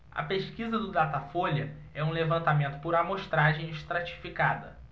a pesquisa do datafolha é um levantamento por amostragem estratificada